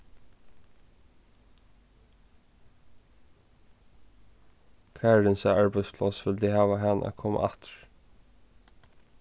karinsa arbeiðspláss vildi hava hana at koma aftur